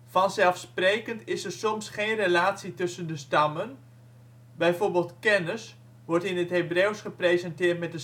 Vanzelfsprekend is er soms geen relatie tussen de stammen. Bijvoorbeeld, " kennis "' wordt in het Hebreeuws gepresenteerd met